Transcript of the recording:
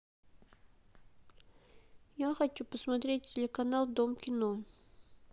я хочу посмотреть телеканал дом кино